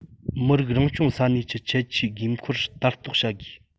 མི རིགས རང སྐྱོང ས གནས ཀྱི ཁྱད ཆོས དགོས མཁོར ལྟ རྟོག བྱ དགོས